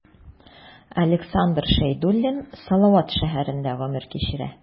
Александр Шәйдуллин Салават шәһәрендә гомер кичерә.